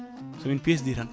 somin pesdi tan